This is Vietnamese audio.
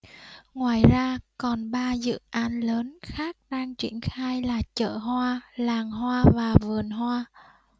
ngoài ra còn ba dự án lớn khác đang triển khai là chợ hoa làng hoa và vườn hoa